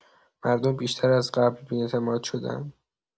مردم بیشتر از قبل بی‌اعتماد شدن.